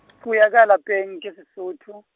puo ya ka ya lapeng, ke Sesotho.